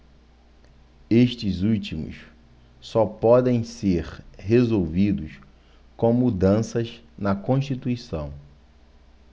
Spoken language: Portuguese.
estes últimos só podem ser resolvidos com mudanças na constituição